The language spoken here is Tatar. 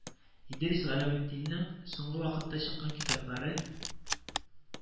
Идрис Галәветдиннең соңгы вакытта чыккан китаплары